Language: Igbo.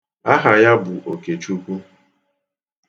Aha ya bụ Okechukwu.